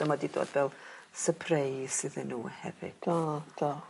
So ma 'di dod fel sypreis iddyn nw hefyd. O do.